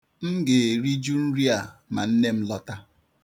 M ga-eriju nri a ma nne m lọta.